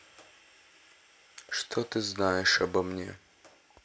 что ты обо мне знаешь